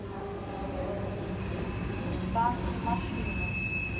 танки машины